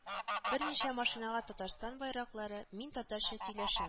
Берничә машинага Татарстан байраклары, Мин татарча сөйләшәм